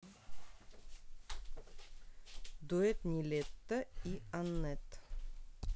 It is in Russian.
дуэт нилетто и annet